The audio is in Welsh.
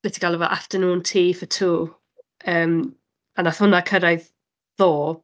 Be ti'n galw fe? Afternoon tea for two, yym, a wnaeth hwnna cyrraedd ddoe.